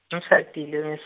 ngishadile .